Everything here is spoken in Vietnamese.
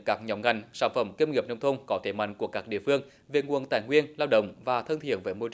các nhóm ngành sản phẩm công nghiệp nông thôn có thế mạnh của các địa phương về nguồn tài nguyên lao động và thân thiện với môi